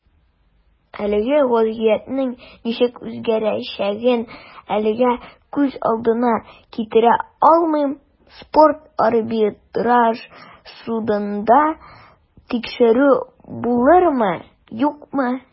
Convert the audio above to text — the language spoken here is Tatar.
Әлеге вәзгыятьнең ничек үзгәрәчәген әлегә күз алдына да китерә алмыйм - спорт арбитраж судында тикшерү булырмы, юкмы.